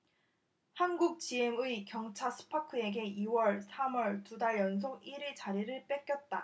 한국지엠의 경차 스파크에게 이 월 삼 월 두 달 연속 일 위 자리를 뺏겼다